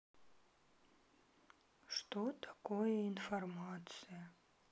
что такое информация